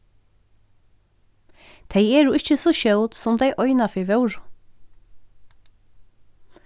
tey eru ikki so skjót sum tey einaferð vóru